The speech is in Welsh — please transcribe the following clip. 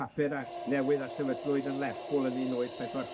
papura' newydd a sefydlwyd yn Lerpwl yn un wyth pedwar